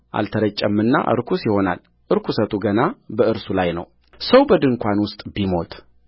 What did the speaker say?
አልተረጨምና ርኩስ ይሆናል ርኵሰቱ ገና በእርሱ ላይ ነውሰው በድንኳን ውስጥ ቢሞት